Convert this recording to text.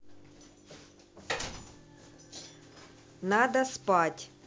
надо спать